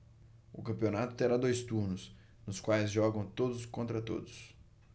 o campeonato terá dois turnos nos quais jogam todos contra todos